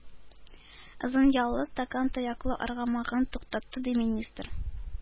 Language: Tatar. Озын яллы, стакан тояклы аргамагын туктатты ди, министр: